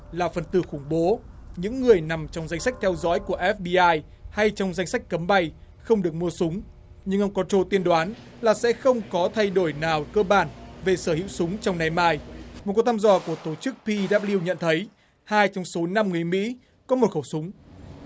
là phần tử khủng bố những người nằm trong danh sách theo dõi của ép bi ai hay trong danh sách cấm bay không được mua súng nhưng ông có cho tiên đoán là sẽ không có thay đổi nào cơ bản về sở hữu súng trong ngày mai một cuộc thăm dò của tổ chức pi đáp liu nhận thấy hai trong số năm người mỹ có một khẩu súng